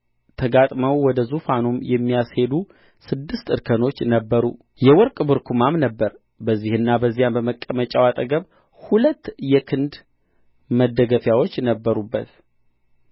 ተጋጥመው ወደ ዙፋኑም የሚያስሄዱ ስድስት እርከኖች ነበሩ የወርቅ ብርኩማም ነበረ በዚህና በዚያም በመቀመጫው አጠገብ ሁለት የክንድ መደገፊያዎች ነበሩበት